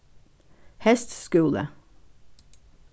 hests skúli